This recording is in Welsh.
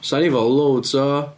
'Sen ni efo loads o...